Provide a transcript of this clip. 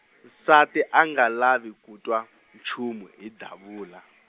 nsati a nga lavi ku twa, nchumu hi Davula.